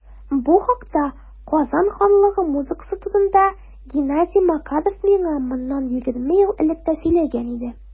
Бу хакта - Казан ханлыгы музыкасы турында - Геннадий Макаров миңа моннан 20 ел элек тә сөйләгән иде.